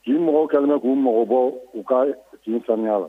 Nin mɔgɔw kɛlen bɛ k'u mago bɔ u ka nin samiyɛ la